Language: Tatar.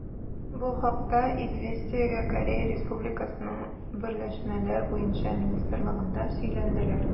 Бу хакта «Известия»гә Корея Республикасының берләшмәләр буенча министрлыгында сөйләделәр.